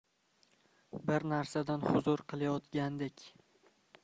bir narsadan huzur qilayotgandek